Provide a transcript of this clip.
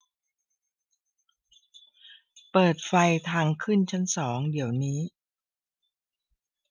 เปิดไฟทางขึ้นชั้นสองเดี๋ยวนี้